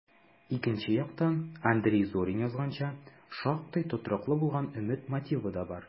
Икенче яктан, Андрей Зорин язганча, шактый тотрыклы булган өмет мотивы да бар: